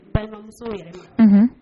Ba denmusomuso un